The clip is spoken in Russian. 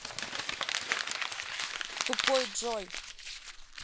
тупой джой